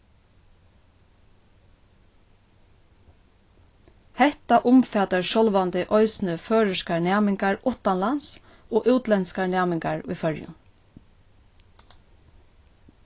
hetta umfatar sjálvandi eisini føroyskar næmingar uttanlands og útlendskar næmingar í føroyum